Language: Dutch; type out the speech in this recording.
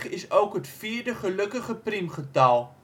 is ook het vierde gelukkige priemgetal